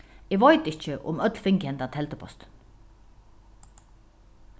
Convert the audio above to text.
eg veit ikki um øll fingu hendan teldupostin